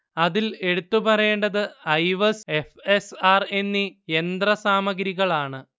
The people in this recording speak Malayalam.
അതിൽ എടുത്തു പറയേണ്ടത് ഐവസ്, എഫ്. എസ്. ആർ എന്നീ യന്ത്ര സാമഗ്രികളാണ്